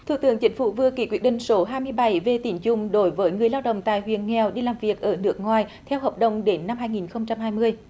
thủ tướng chính phủ vừa ký quyết định số hai mươi bảy về tín dụng đối với người lao động tại huyện nghèo đi làm việc ở nước ngoài theo hợp đồng đến năm hai nghìn không trăm hai mươi